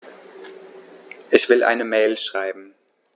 Ich will eine Mail schreiben.